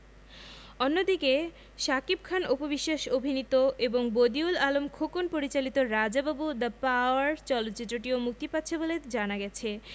অন্যদিকে শাকিব খান অপু বিশ্বাস অভিনীত এবং বদিউল আলম খোকন পরিচালিত রাজা বাবু দ্যা পাওয়ার চলচ্চিত্রটিও এই মুক্তি পাচ্ছে বলে জানা গেছে